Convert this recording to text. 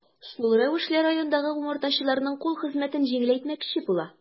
Шул рәвешле районындагы умартачыларның кул хезмәтен җиңеләйтмәкче була.